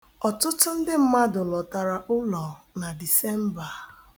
Ọtụtụ ndị mmadụ lọtara ụlọ na Disemba.